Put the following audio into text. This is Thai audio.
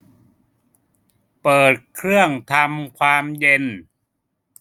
เปิดเครื่องทำความเย็น